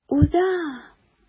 Ура!